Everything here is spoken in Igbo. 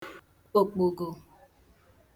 okpogo